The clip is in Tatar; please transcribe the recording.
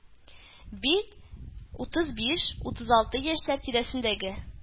Бит утыз биш-утыз алты яшьләр тирәсендәге